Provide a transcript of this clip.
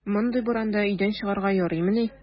Мондый буранда өйдән чыгарга ярыймыни!